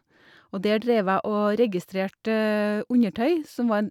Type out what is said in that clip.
Og der dreiv jeg og registrerte undertøy, som var en...